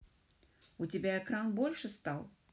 у тебя экран больше стал